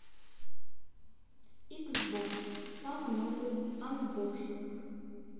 xbox самый новый анбоксинг